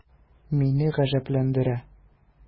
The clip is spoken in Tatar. Мине гаҗәпләндерә: